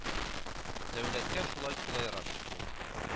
Дәүләткә шулай кулайрак, ул